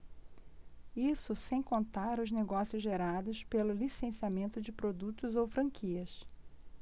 isso sem contar os negócios gerados pelo licenciamento de produtos ou franquias